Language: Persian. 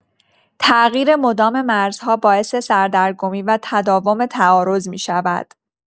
تغییر مداوم مرزها باعث سردرگمی و تداوم تعارض می‌شود.